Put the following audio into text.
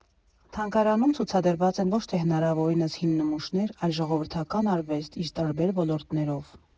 Թանգարանում ցուցադրված են ոչ թե հնարավորինս հին նմուշներ, այլ ժողովրդական արվեստ՝ իր տարբեր ոլորտներով.